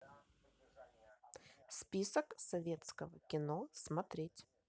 список советского кино смотреть